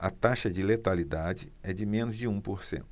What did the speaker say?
a taxa de letalidade é de menos de um por cento